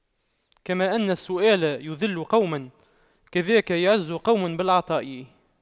كما أن السؤال يُذِلُّ قوما كذاك يعز قوم بالعطاء